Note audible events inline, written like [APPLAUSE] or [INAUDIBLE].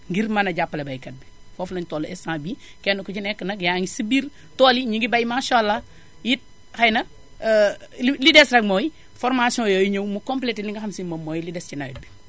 ngir mën a jàppale ay baykat bi foofu lañu toll instant bii kenn ku ci nekk nag yaa ngi si biir tool yi ñi ngi bay maasàllaa it xay na [HESITATION] li des rekk mooy foramtions yooyu ñëw mu complété li nga xam si moom mooy li des si nawet bi [NOISE]